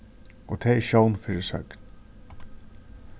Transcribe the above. og tað er sjón fyri søgn